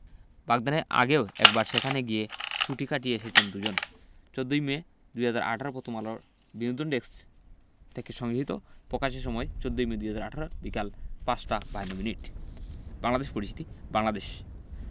বাগদানের আগেও একবার সেখানে গিয়ে ছুটি কাটিয়ে এসেছেন দুজন ১৪ই মে ২০১৮ প্রথমআলোর বিনোদন ডেস্কথেকে সংগ্রহীত প্রকাশের সময় ১৪মে ২০১৮ বিকেল ৫টা ৫২ মিনিট বাংলাদেশ পরিচিতি বাংলাদেশ